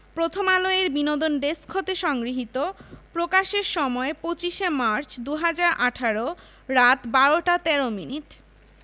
প্রথমআলো এর বিনোদন ডেস্ক হতে সংগৃহীত প্রকাশের সময় ২৫শে মার্চ ২০১৮ রাত ১২ টা ১৩ মিনিট